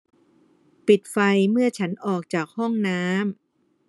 ปิดไฟเมื่อฉันออกจากห้องน้ำ